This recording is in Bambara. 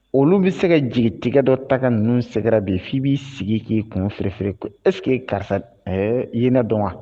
Olu bi se ka jigitigɛ dɔ ta ka ninnu sɛgɛrɛ bi f'i b'i sigi k'i kun firin firin ko est ce que karisa d ɛɛ i ye ne dɔn wa